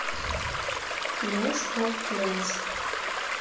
клеш оф кленс